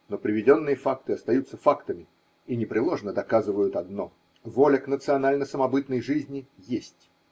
Но приведенные факты остаются фактами и непреложно доказывают одно: воля к национально-самобытной жизни есть.